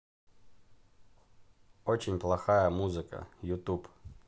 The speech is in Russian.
очень плохая музыка ютуб